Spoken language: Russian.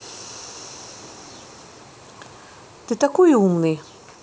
ты такой умный